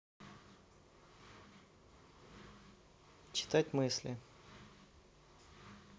читать мысли